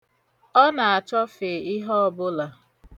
Ọ na-achofe ihe ọbụla.